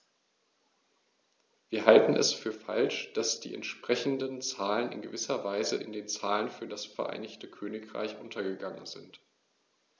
Wir halten es für falsch, dass die entsprechenden Zahlen in gewisser Weise in den Zahlen für das Vereinigte Königreich untergegangen sind.